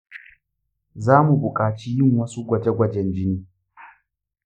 za mu buƙaci yin wasu gwaje-gwajen jini.